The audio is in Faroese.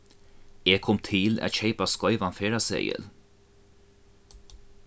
eg kom til at keypa skeivan ferðaseðil